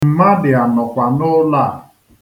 Mmadụ anọkwa n'ụlọ a?